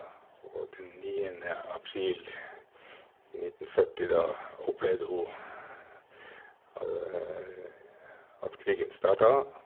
Og den niende april i nitten førti, da opplevde hun at krigen starta.